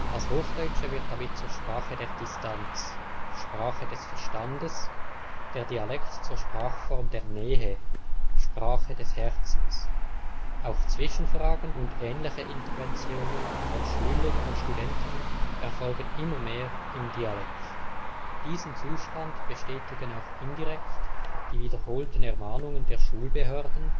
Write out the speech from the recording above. Das Hochdeutsche wird damit zur Sprache der Distanz (" Sprache des Verstandes "), der Dialekt zur Sprachform der Nähe (" Sprache des Herzens "). Auch Zwischenfragen und ähnliche Interventionen von Schülern und Studenten erfolgen immer mehr im Dialekt. Diesen Zustand bestätigen auch indirekt die wiederholten Ermahnungen der Schulbehörden